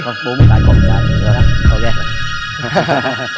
thôi bố một một cái con một cái ô kê